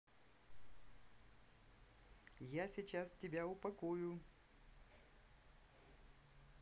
я сейчас тебя упакую